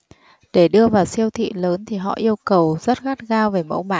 để đưa vào siêu thị lớn thì họ yêu cầu rất gắt gao về mẫu mã